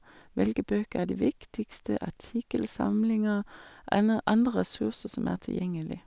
Hvilke bøker er de viktigste, artikkelsamlinger, anne andre ressurser som er tilgjengelig.